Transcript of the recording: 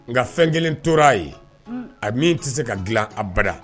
Nka fɛn kelen tora a ye a min tɛ se ka dilan abada